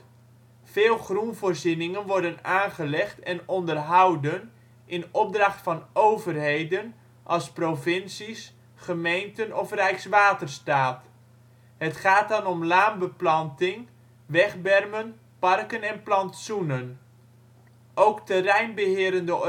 Veel groenvoorzieningen worden aangelegd en onderhouden in opdracht van overheden als provincies, gemeenten of rijkswaterstaat. Het gaat dan om laanbeplanting, wegbermen, parken en plantsoenen. Ook terreinbeherende